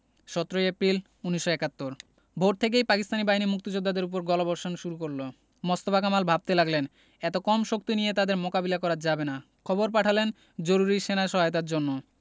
১৭ April ১৯৭১ ভোর থেকেই পাকিস্তানি বাহিনী মুক্তিযোদ্ধাদের উপর গোলাবর্ষণ শুরু করল মোস্তফা কামাল ভাবতে লাগলেন এত কম শক্তি নিয়ে ওদের মোকাবিলা করা যাবে না খবর পাঠালেন জরুরি সেনা সহায়তার জন্য